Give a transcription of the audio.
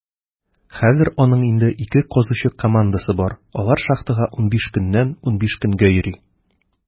Хәзер аның инде ике казучы командасы бар; алар шахтага 15 көннән 15 көнгә йөри.